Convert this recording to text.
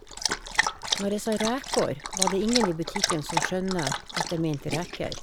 Når jeg sa rækår var det ingen i butikken som skjønte at jeg mente reker.